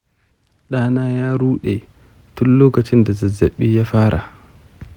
ɗana ya rude tun lokacin da zazzabi ya fara